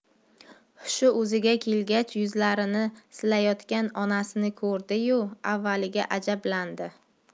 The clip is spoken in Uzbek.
hushi o'ziga kelgach yuzlarini silayotgan onasini ko'rdi yu avvaliga ajablandi